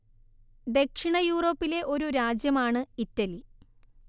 ദക്ഷിണ യൂറോപ്പിലെ ഒരു രാജ്യമാണ് ഇറ്റലി